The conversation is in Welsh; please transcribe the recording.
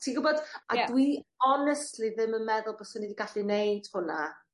Ti'n gwbod? Ie. A dwi honestly ddim yn meddwl baswn i 'di gallu neud hwnna